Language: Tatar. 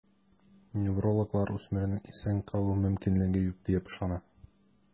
Неврологлар үсмернең исән калу мөмкинлеге юк диеп ышана.